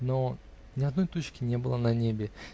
но ни одной тучки не было на небе.